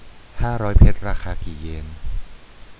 ห้าร้อยเพชรราคากี่เยน